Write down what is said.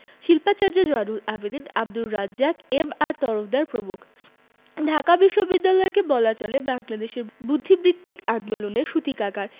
শিল্পাচার্য জয়নুল আবেদীন আবদুর রাজ্জাক এম.আর তরফদার প্রমুখ ঢাকা বিশ্ববিদ্যালয়কে বলা চলে বাংলাদেশের বুদ্ধিবৃত্তিক আন্দোলনের সূতিকাগার